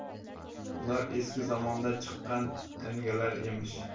bular eski zamonda chiqqan tangalar emish